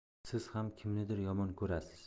siz ham kimnidir yomon ko'rasiz